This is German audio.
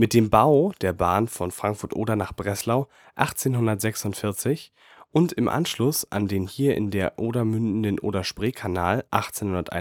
dem Bau der Bahn von Frankfurt (Oder) nach Breslau 1846 und im Anschluss an den hier in die Oder mündenden Oder-Spree-Kanal (1891